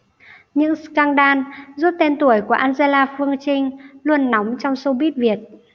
những scandal giúp tên tuổi của angela phương trinh luôn nóng trong showbiz việt